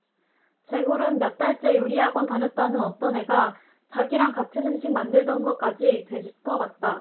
제굴은 몇 달째 요리 학원 다녔다는 어떤 애가 자기랑 같은 음식 만들던 것까지 되짚어봤다